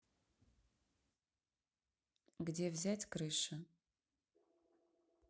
где взять крыше